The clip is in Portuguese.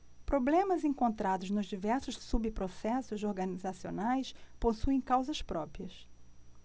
problemas encontrados nos diversos subprocessos organizacionais possuem causas próprias